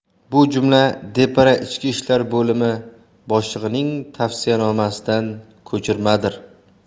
bu jumla depara ichki ishlar bo'limi boshlig'ining tavsiyanomasidan ko'chirmadir